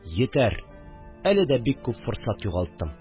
Йитәр, әле дә бик күп форсат югалттым